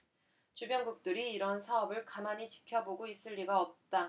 주변국들이 이런 사업을 가만히 지켜보고 있을 리가 없다